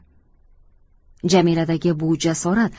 jamiladagi bu jasorat